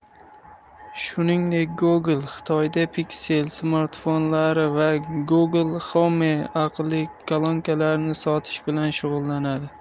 shuningdek google xitoyda pixel smartfonlari va google home aqlli kolonkalarini sotish bilan shug'ullanadi